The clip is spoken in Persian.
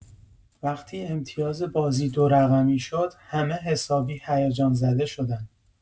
وقتی امتیاز بازی دورقمی شد، همه حسابی هیجان‌زده شدن!